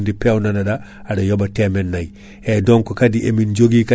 sen bi reemɓo foutankoɓe non en kubtidi ndemateri ndi